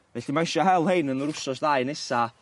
Felly ma' isio hel rhein yn yr wsos ddau nesa